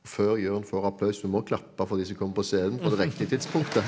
før Jørn får applaus vi må klappe for de som kom på scenen på det riktige tidspunktet.